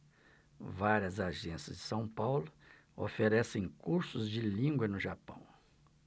várias agências de são paulo oferecem cursos de língua no japão